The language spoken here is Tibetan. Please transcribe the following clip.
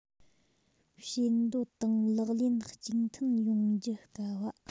ཞེ འདོད དང ལག ལེན གཅིག མཐུན ཡོང རྒྱུ དཀའ བ